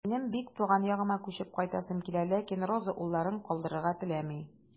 Минем бик туган ягыма күчеп кайтасым килә, ләкин Роза улларын калдырырга теләми.